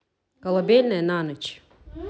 колыбельная на ночь